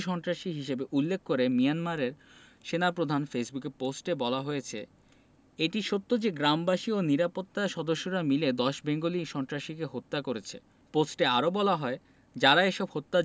গণহত্যার শিকার হওয়া রোহিঙ্গাদের বেঙ্গলি সন্ত্রাসী হিসেবে উল্লেখ করে মিয়ানমারের সেনাপ্রধানের ফেসবুক পোস্টে বলা হয়েছে এটা সত্য যে গ্রামবাসী ও নিরাপত্তা বাহিনীর সদস্যরা মিলে ১০ বেঙ্গলি সন্ত্রাসীকে হত্যা করেছে